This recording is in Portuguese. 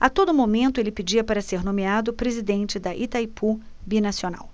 a todo momento ele pedia para ser nomeado presidente de itaipu binacional